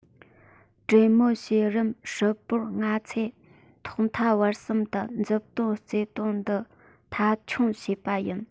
གྲོས མོལ བྱེད རིམ ཧྲིལ པོར ང ཚོས ཐོག མཐའ བར གསུམ དུ མཛུབ སྟོན རྩ དོན འདི མཐའ འཁྱོངས བྱས པ ཡིན